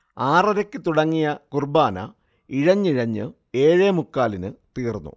ആറരയ്ക്ക് തുടങ്ങിയ കുർബ്ബാന ഇഴഞ്ഞിഴഞ്ഞ് ഏഴേമുക്കാലിന് തീർന്നു